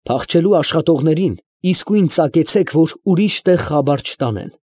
Փախչելու աշխատողներին իսկույն ծակեցեք, որ ուրիշ տեղ խաբար չտանեն։